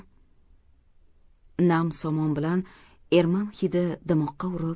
nam somon bilan erman hidi dimoqqa urib